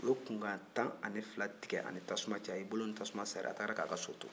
u ye kunkan ɲɛ tan ni fila tigɛ a ni tasuma cɛ a y'i bolo ni tasuma seri a taara k'a ka so to